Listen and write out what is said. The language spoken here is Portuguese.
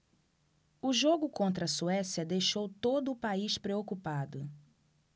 o jogo contra a suécia deixou todo o país preocupado